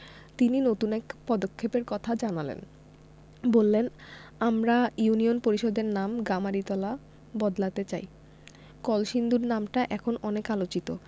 তিনি নতুন এক পদক্ষেপের কথা জানালেন বললেন আমরা ইউনিয়ন পরিষদের নাম গামারিতলা বদলাতে চাই কলসিন্দুর নামটা এখন অনেক আলোচিত